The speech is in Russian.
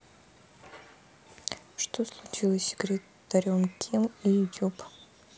что случилось с секретарем ким и youtube